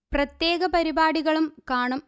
പ്രത്യേക പരിപാടികളും കാണും